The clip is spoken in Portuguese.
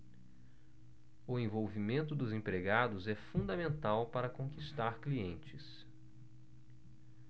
o envolvimento dos empregados é fundamental para conquistar clientes